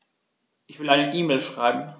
Ich will eine E-Mail schreiben.